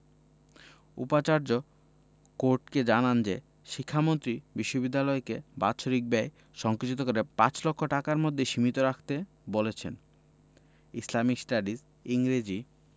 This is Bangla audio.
উপাচার্য কোর্টকে জানান যে শিক্ষামন্ত্রী বিশ্ববিদ্যালয়কে বাৎসরিক ব্যয় সংকুচিত করে পাঁচ লক্ষ টাকার মধ্যে সীমিত রাখতে বলেছেন ইসলামিক স্টাডিজ ইংরেজি